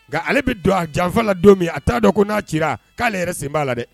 Nka ale bɛ don a janfa la don min a t'a dɔn ko n'a ci k'ale yɛrɛ sen b'a la dɛ